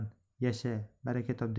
yasha baraka top